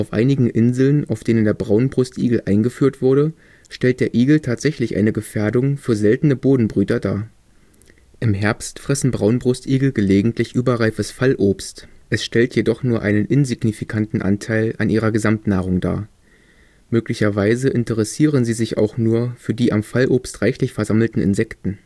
einigen Inseln, auf denen der Braunbrustigel eingeführt wurde, stellt der Igel tatsächlich eine Gefährdung für seltene Bodenbrüter dar. Im Herbst fressen Braunbrustigel gelegentlich überreifes Fallobst – es stellt jedoch nur einen insignifikanten Anteil an ihrer Gesamtnahrung dar. Möglicherweise interessieren sie sich auch nur für die am Fallobst reichlich versammelten Insekten